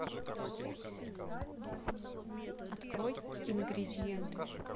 открой ингредиенты